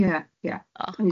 Ia ia.